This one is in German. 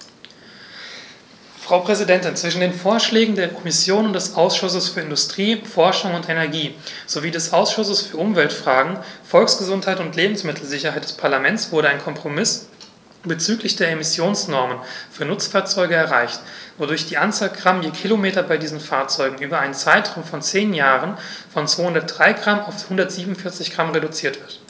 Frau Präsidentin, zwischen den Vorschlägen der Kommission und des Ausschusses für Industrie, Forschung und Energie sowie des Ausschusses für Umweltfragen, Volksgesundheit und Lebensmittelsicherheit des Parlaments wurde ein Kompromiss bezüglich der Emissionsnormen für Nutzfahrzeuge erreicht, wodurch die Anzahl Gramm je Kilometer bei diesen Fahrzeugen über einen Zeitraum von zehn Jahren von 203 g auf 147 g reduziert wird.